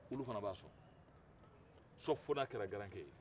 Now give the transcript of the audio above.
olu fɛnɛ b'a sɔn sauf fo n'a kɛra garankɛ ye